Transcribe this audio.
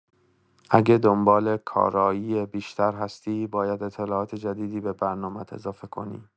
اگه دنبال کارایی بیشتر هستی، باید اطلاعات جدیدی به برنامت اضافه کنی.